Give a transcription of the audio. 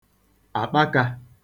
àkpakā